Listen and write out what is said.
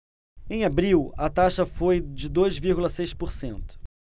em abril a taxa foi de dois vírgula seis por cento